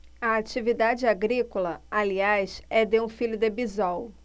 a atividade agrícola aliás é de um filho de bisol